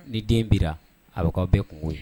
Ni den bira a bɛ bɛɛ kungogo